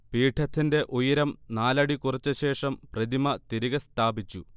പീഠത്തിന്റെ ഉയരം നാലടി കുറച്ചശേഷം പ്രതിമ തിരികെ സ്ഥാപിച്ചു